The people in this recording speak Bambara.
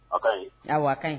A ka ɲi, awɔ ,a kaɲi.